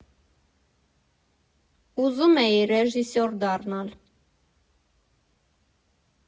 Ուզում էի ռեժիսոր դառնալ։